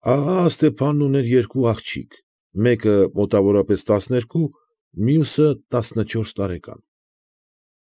Աղա Ստեփանն ուներ երկու աղջիկ ֊ մեկը մոտավորապես տասներկու , մյուսը տասնչորս տարեկան։